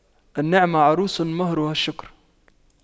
النعمة عروس مهرها الشكر